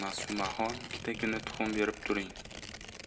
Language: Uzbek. ma'sumaxon ikkitagina tuxum berib turing